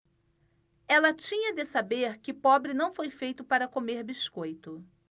ela tinha de saber que pobre não foi feito para comer biscoito